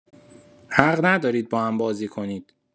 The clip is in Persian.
حق ندارید با هم‌بازی کنید.